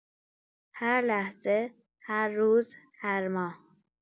هر لحظه، هر روز، هر ماه